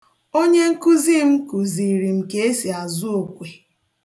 Onyenkuzi m kuziiri m ka esi azụ okwe.